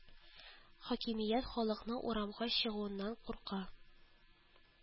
Хакимият халыкның урамга чыгуыннан курка